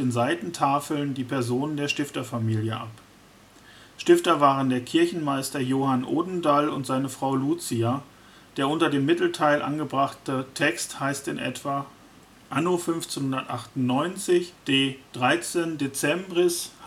Seitentafeln die Personen der Stifterfamilie ab. Stifter waren der „ Kirchenmeister “Johann Odendall und seine Frau Lucia. Der unter dem Mittelteil angebrachte Text heißt in etwa: Ano 1598 dé 13 Decembris